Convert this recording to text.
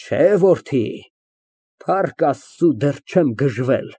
Չէ որդի, Փառք Աստծո, դեռ չեմ գժվել։